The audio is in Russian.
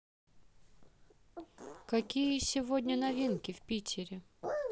какие сегодня новинки в питере